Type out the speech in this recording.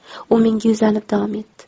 u menga yuzlanib davom etdi